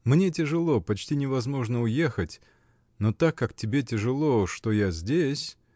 — Мне тяжело, почти невозможно уехать, но так как тебе тяжело, что я здесь.